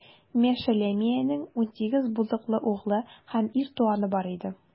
Мешелемиянең унсигез булдыклы углы һәм ир туганы бар иде.